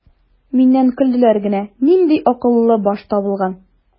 Миннән көлделәр генә: "Нинди акыллы баш табылган!"